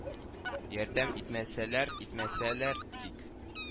Ярдәм итмәсәләр итмәсәләр, тик